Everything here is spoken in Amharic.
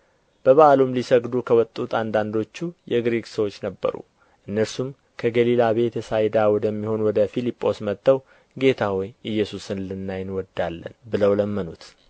በበዓሉም ሊሰግዱ ከወጡት አንዳንዶቹ የግሪክ ሰዎች ነበሩ እነርሱም ከገሊላ ቤተ ሳይዳ ወደሚሆን ወደ ፊልጶስ መጥተው ጌታ ሆይ ኢየሱስን ልናይ እንወዳለን ብለው ለመኑት